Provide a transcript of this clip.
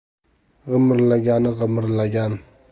g'imirlagani g'imirlagan